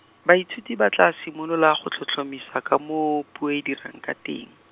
baithuti ba tla simolola go tlhotlhomisa ka moo puo e dirang ka teng.